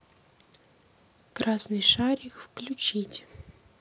красный шарик включить